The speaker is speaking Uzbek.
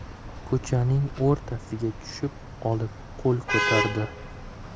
ko'chaning o'rtasiga tushib olib qo'l ko'tardi